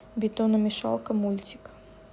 бетономешалка мультик